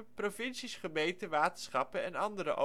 Provincies, gemeenten, waterschappen en andere